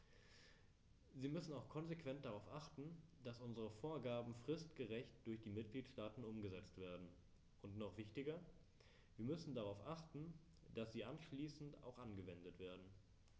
Wir müssen auch konsequent darauf achten, dass unsere Vorgaben fristgerecht durch die Mitgliedstaaten umgesetzt werden, und noch wichtiger, wir müssen darauf achten, dass sie anschließend auch angewendet werden.